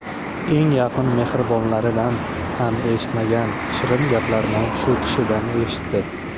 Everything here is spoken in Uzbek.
eng yaqin mehribonlaridan ham eshitmagan shirin gaplarni shu kishidan eshitdi